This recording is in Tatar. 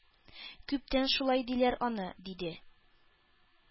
-күптән шулай диләр аны,- диде.